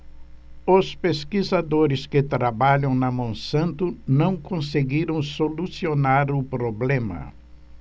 os pesquisadores que trabalham na monsanto não conseguiram solucionar o problema